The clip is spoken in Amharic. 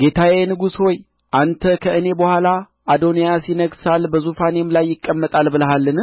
ጌታዬ ንጉሥ ሆይ አንተ ከእኔ በኋላ አዶንያስ ይነግሣል በዙፋኔም ላይ ይቀመጣል ብለሃልን